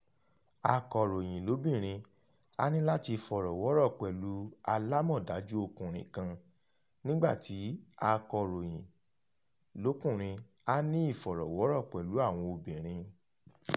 Akọ̀ròyìn lóbìnrin á ní láti fọ̀rọ̀wọ́rọ̀ pẹ̀lú alámọ̀dájú ọkùnrin kan nígbà tí Akọ̀ròyìn lọ́kùnrin á ní ìfọ̀rọ̀wọ́rọ̀ pẹ̀lú àwọn obìnrin.